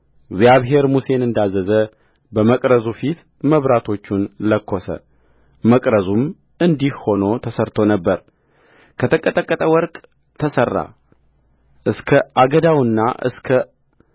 እግዚአብሔር ሙሴን እንዳዘዘ በመቅረዙ ፊት መብራቶቹን ለኰሰመቅረዙም እንዲህ ሆኖ ተሠርቶ ነበር ከተቀጠቀጠ ወርቅ ተሠራ እስከ አገዳውና እስከ